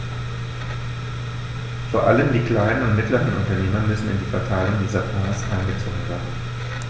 Vor allem die kleinen und mittleren Unternehmer müssen in die Verteilung dieser Fonds einbezogen werden.